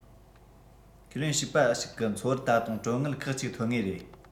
ཁས ལེན བྱིས པ ཞིག གི འཚོ བར ད དུང གྲོན དངུལ ཁག གཅིག འཐོན ངེས རེད